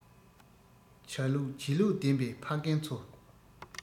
བྱ ལུགས བྱེད ལུགས ལྡན པའི ཕ རྒན ཚོ